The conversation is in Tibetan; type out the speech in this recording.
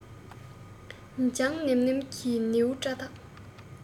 ལྗང ནེམ ནེམ གྱི ནེའུ སྐྲ དག